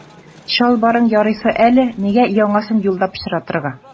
Чалбарың ярыйсы әле, нигә яңасын юлда пычратырга.